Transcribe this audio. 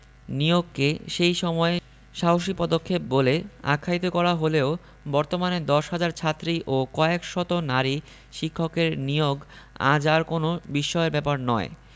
নিয়োগকে সেই সময়ে সাহসী পদক্ষেপ বলে আখ্যায়িত করা হলেও বর্তমানে ১০ হাজার ছাত্রী ও কয়েক শত নারী শিক্ষকের নিয়োগ আজ আর কোনো বিস্ময়ের ব্যাপার নয়